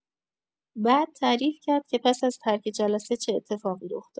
بعد تعریف کرد که پس از ترک جلسه چه اتفاقی رخ داد.